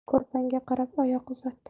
ko'rpangga qarab oyoq uzat